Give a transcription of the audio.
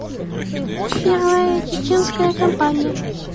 первая чеченская компания